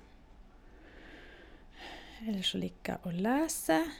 Ellers så liker jeg å lese.